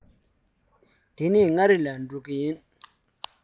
དེ ནས མངའ རིས ལ འགྲོ གི ཡིན